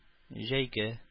Җәйге